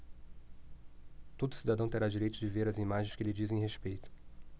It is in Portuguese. todo cidadão terá direito de ver as imagens que lhe dizem respeito